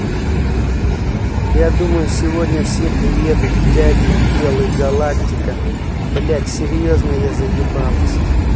я думаю сегодня все приедут дяди в белых галактика блять серьезно я заебалась